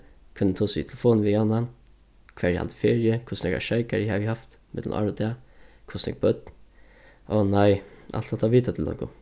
hvønn eg tosi í telefon við javnan hvar eg haldi feriu hvussu nógvar sjeikar eg havi havt millum ár og dag hvussu nógv børn áh nei alt hatta vita tey longu